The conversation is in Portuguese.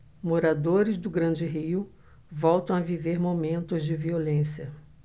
moradores do grande rio voltam a viver momentos de violência